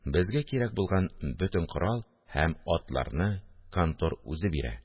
Безгә кирәк булган бөтен корал һәм атларны контор үзе бирә